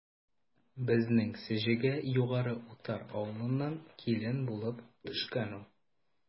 Безнең Сеҗегә Югары Утар авылыннан килен булып төшкән ул.